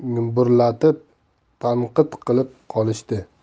gumburlatib tanqid qilib qolishdi